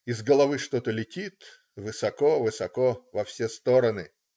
Из головы что-то летит высоко, высоко во все стороны.